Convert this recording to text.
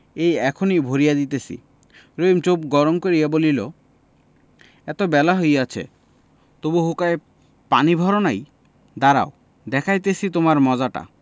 এই এখনই ভরিয়া দিতেছি রহিম চোখ গরম করিয়া বলিল এত বেলা হইয়াছে তবু হুঁকায় পানির ভর নাই দাঁড়াও দেখাইতেছি তোমায় মজাটা